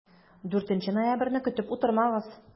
4 ноябрьне көтеп утырмагыз!